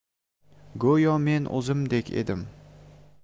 go'yo men o'zimdek edim